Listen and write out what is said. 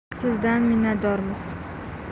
sizdan minnatdormiz